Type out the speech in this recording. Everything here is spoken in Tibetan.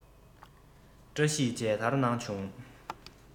བཀྲ ཤིས མཇལ དར གནང བྱུང